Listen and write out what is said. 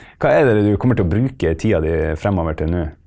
hva er det du kommer til å bruke tida di fremover til nå?